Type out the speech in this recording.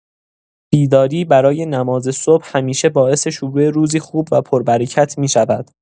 بیداری برای نماز صبح همیشه باعث شروع روزی خوب و پربرکت می‌شود.